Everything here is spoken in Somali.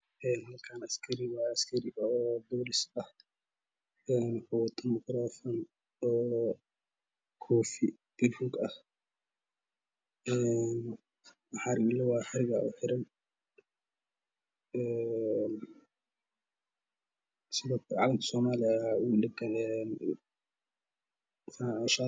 Een halkaan askari waaye askari oo police ah een wato makroofan oo koofi gaduud ah een xarigle waayo xarig aa u xiran een sidoo kale calanka somaliyo ayaa ugu dhagan ee fanaanad shati